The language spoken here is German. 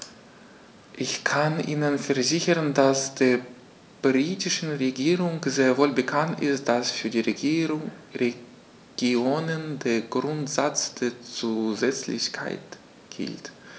Ich kann Ihnen versichern, dass der britischen Regierung sehr wohl bekannt ist, dass für die Regionen der Grundsatz der Zusätzlichkeit gilt.